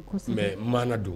Maana don